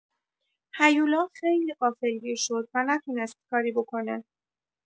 هیولا خیلی غافلگیر شد و نتونست کاری بکنه.